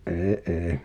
ei ei